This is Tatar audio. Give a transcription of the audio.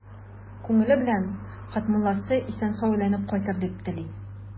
Күңеле белән Хәтмулласы исән-сау әйләнеп кайтыр дип тели.